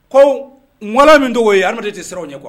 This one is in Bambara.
Kowa min' o ye adama de tɛ siraw ye kuwa